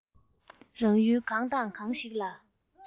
རང ཡུལ གང དང གང ཞིག ལ